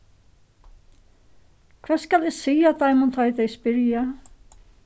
hvat skal eg siga teimum tá tey spyrja